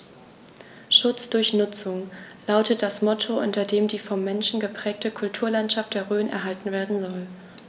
„Schutz durch Nutzung“ lautet das Motto, unter dem die vom Menschen geprägte Kulturlandschaft der Rhön erhalten werden soll.